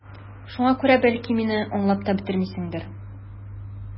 Шуңа күрә, бәлки, мине аңлап та бетермисеңдер...